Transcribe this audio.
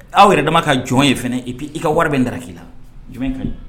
Aw yɛrɛ dama ka jɔn ye fana i i ka wari bɛ n da k'i la